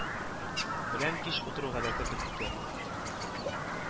Белән кич утыру гадәте бетте